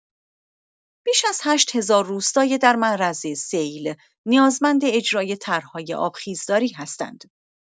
بیش از ۸ هزار روستای در معرض سیل، نیازمند اجرای طرح‌های آبخیزداری هستند.